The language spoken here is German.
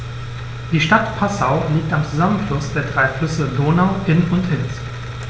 Die Stadt Passau liegt am Zusammenfluss der drei Flüsse Donau, Inn und Ilz.